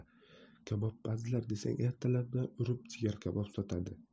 kabobpazlar desang ertalabdan urib jigar kabob sotadi